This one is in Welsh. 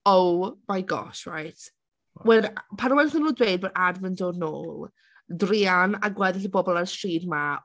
Oh my gosh right when... pan wnaethon nhw dweud bod Adam yn dod nôl druan am gweddill y bobl ar y stryd 'ma.